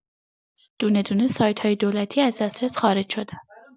دونه دونه سایت‌های دولتی از دسترس خارج شدن!